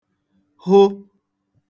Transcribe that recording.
hụ